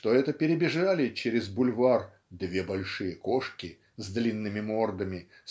что это перебежали через бульвар "две большие кошки с длинными мордами